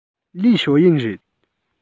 ལིའི ཞའོ ཡན རེད